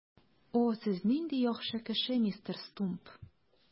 О, сез нинди яхшы кеше, мистер Стумп!